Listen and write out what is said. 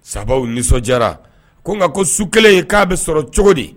Sabaw nisɔndiyara ko nka su kelen in k'a bɛ sɔrɔ cogo di?